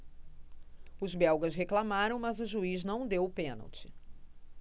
os belgas reclamaram mas o juiz não deu o pênalti